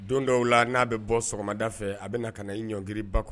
Don dɔw la n'a bɛ bɔ sɔgɔmada fɛ a bɛ na ka na igiriri ba kɔnɔ